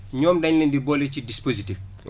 ñoom dañu leen di boole ci dispositif bi